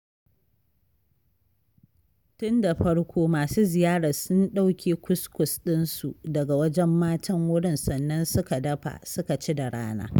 Tun da farko masu ziyarar sun ɗauke kuskus ɗinsu daga wajen matan wurin sannan suka dafa, suka ci da rana.